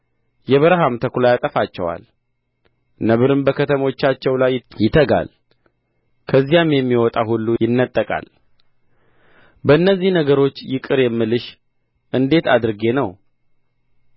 የበረሀም ተኩላ ያጠፋቸዋል ነብርም በከተሞቻቸው ላይ ይተጋል ከዚያም የሚወጣ ሁሉ ይነጠቃል በእነዚህ ነገሮች ይቅር የምልሽ እንዴት አድርጌ ነው